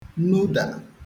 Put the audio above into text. nudà